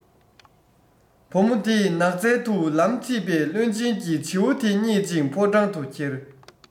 བུ མོ དེས ནགས ཚལ དུ ལམ ཁྲིད པས བློན ཆེན གྱིས བྱིའུ དེ ཪྙེད ཅིང ཕོ བྲང དུ ཁྱེར